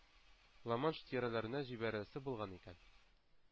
Ла-Манш тирәләренә җибәреләсе булган икән.